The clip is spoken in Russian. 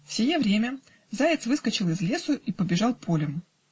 В сие время заяц выскочил из лесу и побежал полем.